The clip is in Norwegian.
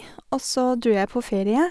Og så dro jeg på ferie.